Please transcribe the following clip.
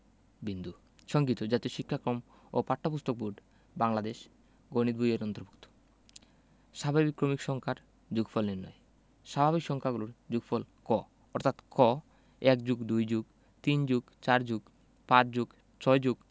বিন্দু সংগৃহীত জাতীয় শিক্ষাক্রম ও পাঠ্যপুস্তক বোর্ড বাংলাদেশ গণিত বই-এর অন্তর্ভুক্ত স্বাভাবিক ক্রমিক সংখ্যার যোগফল নির্ণয় স্বাভাবিক সংখ্যাগুলোর যোগফল ক অর্থাৎ ক ১+২+৩+৪+৫+৬+